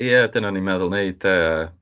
Ia, dyna o'n i'n meddwl wneud de, a...